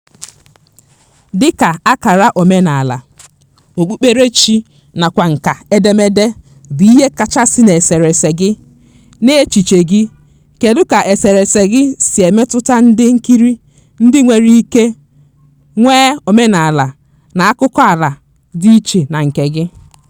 OM: Dika akara omenala/okpukperechi nakwa nkà ederede bụ ihe kachasị n'eserese gị, n'echiche gị, kedu ka eserese gị sị emetụta ndị nkiri ndị nwere ike nwee omenala na akụkọala dị iche na nke gị?